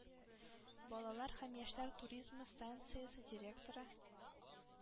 Балалар һәм яшьләр туризмы станциясе директоры